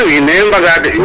wiin we mbay mbaga de